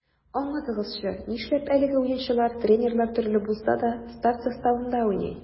Аңлатыгызчы, нишләп әлеге уенчылар, тренерлар төрле булса да, старт составында уйный?